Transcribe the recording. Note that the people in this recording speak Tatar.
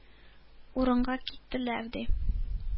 Урынга киттеләр, ди.